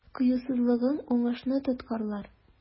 Кыюсызлыгың уңышны тоткарлар.